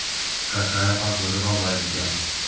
какая погода во владике